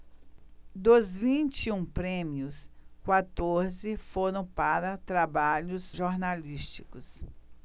dos vinte e um prêmios quatorze foram para trabalhos jornalísticos